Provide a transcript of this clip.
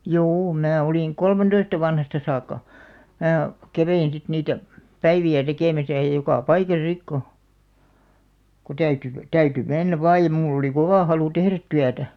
juu minä olin kolmentoista vanhasta saakka minä kävin sitten niitä päiviä tekemässä ja joka paikassa sitten kun kun täytyi täytyi mennä vain ja minulla oli kova halu tehdä työtä